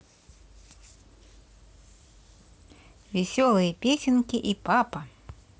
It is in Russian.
веселые песенки и папа